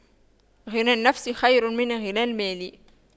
غنى النفس خير من غنى المال